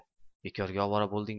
bekorga ovora bo'lding